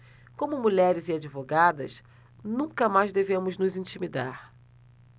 como mulheres e advogadas nunca mais devemos nos intimidar